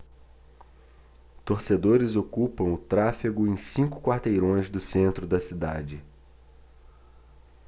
torcedores ocuparam o tráfego em cinco quarteirões do centro da cidade